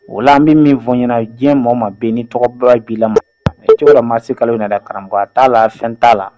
O la n bɛ min fɔ aw ɲana diɲɛ maa o maa bɛ yen ni tɔgɔba b'i la, i cogo dɔn marisikalo in na dɛ ! Karamɔgɔya t'a la fɛn t'a la.